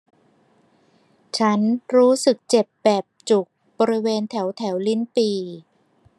ฉันรู้สึกเจ็บแบบจุกบริเวณแถวแถวลิ้นปี่